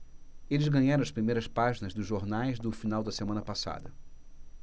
eles ganharam as primeiras páginas dos jornais do final da semana passada